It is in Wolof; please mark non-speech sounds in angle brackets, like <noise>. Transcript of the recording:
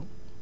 <hesitation> <hesitation>